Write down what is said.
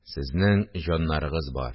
Сезнең җаннарыгыз бар